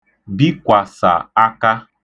bikwàsà aka